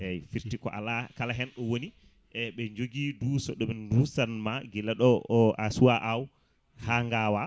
eyyi fiirti ko ala kala hen ɗo woni eɓe jogui duso ɓe ɗoɓe dusanma guila ɗo o a suwa aw ha gawa